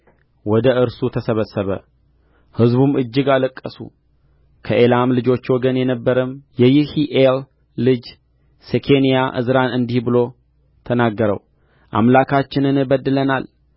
ወደ እርሱ ተሰበሰበ ሕዝቡም እጅግ አለቀሱ ከኤላም ልጆች ወገን የነበረም የይሒኤል ልጅ ሴኬንያ ዕዝራን እንዲህ ብሎ ተናገረው አምላካችንን በድለናል